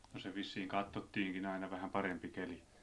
no se vissiin katsottiinkin aina vähän parempi keli